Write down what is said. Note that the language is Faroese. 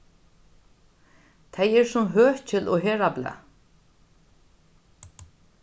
tey eru sum høkil og herðablað